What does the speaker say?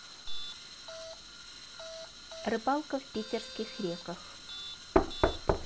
рыбалка в питерских реках